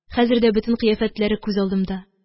Хәзер дә бөтен кыяфәтләре күз алдымда